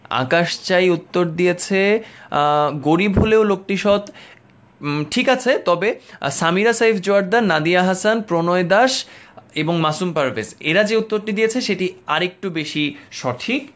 আকাশ চাই উত্তর দিয়েছে গরীব হলেও লোকটি সৎ ঠিক আছে তবে সামিরা সাইফ জোয়ার্দ্দার নাদিয়া হাসান প্রণয় দাস এবং মাসুম পারভেজ এরা যে উত্তরটি দিয়েছে সেটি আরেকটু বেশি সঠিক